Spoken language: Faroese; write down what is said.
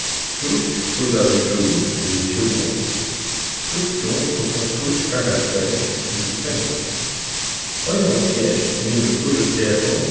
trýss býta við trý er ligvið tjúgu tíggju pluss hálvtrýss ganga tvey er ligvið tvey hundrað einoghálvfjerðs minus fýraogtretivu